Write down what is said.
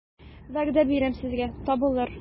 Вәгъдә бирәм сезгә, табылыр...